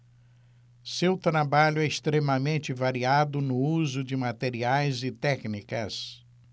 seu trabalho é extremamente variado no uso de materiais e técnicas